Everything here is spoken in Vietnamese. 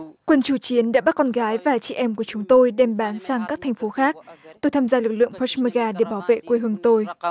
quân chủ chiến đã bắt con gái và chị em của chúng tôi đem bán sang các thành phố khác tôi tham gia lực lượng pớt mơ ga để bảo vệ quê hương tôi